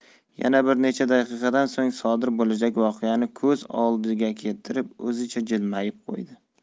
yana bir necha daqiqadan so'ng sodir bo'lajak voqeani ko'z oldiga keltirib o'zicha jilmayib qo'ydi